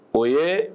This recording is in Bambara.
O ye